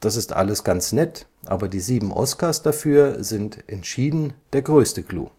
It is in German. Das ist alles ganz nett, aber die sieben Oscars dafür sind entschieden der größte Clou